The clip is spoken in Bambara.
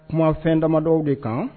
Kuma fɛn damadɔw de kan